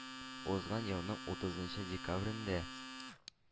Узган елның утызынчы декабрендә